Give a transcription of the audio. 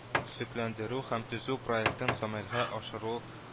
Төзекләндерү һәм төзү проектын гамәлгә ашыру